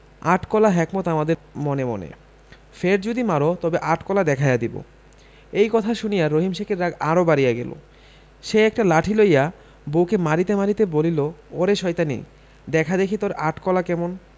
আট কলা হেকমত আমাদের মনে মনে ফের যদি মার তবে আট কলা দেখাইয়া দিব এই কথা শুনিয়া রহিম শেখের রাগ আরও বাড়িয়া গেল সে একটা লাঠি লইয়া বউকে মারিতে মারিতে বলিল ওরে শয়তানী দেখা দেখি তোর আট কলা কেমন